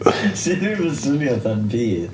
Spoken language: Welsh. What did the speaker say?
Sut dwi'm yn swnio fatha'm byd?